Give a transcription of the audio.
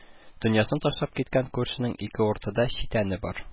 Дөньясын ташлап киткән күршенең ике уртада читәне бар